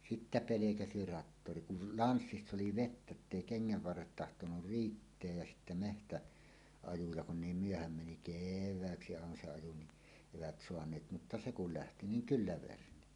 sitten pelkäsi traktori kun lanssissa oli vettä että ei kengän varret tahtonut riittää ja sitten - metsäajoa kun niin myöhään meni kevääksi aina se ajo niin eivät saaneet mutta se kun lähti niin kyllä verni